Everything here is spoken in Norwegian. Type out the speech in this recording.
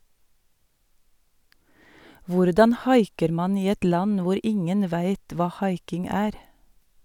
Hvordan haiker man i et land hvor ingen veit hva haiking er?